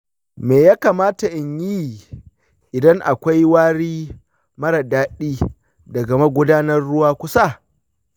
me ya kamata in yi idan akwai wari mara daɗi daga magudanar ruwa kusa?